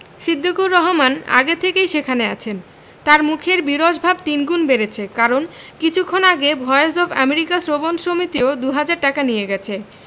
সিদ্দিকুর রহমনি আগে থেকেই সেখানে আছেন তাঁর মুখের বিরস ভাব তিনগুণ বেড়েছে কারণ কিছুক্ষণ আগে ভয়েস অব এমেরিকা শ্রবণ সমিতিও দু হাজার টাকা নিয়ে গেছে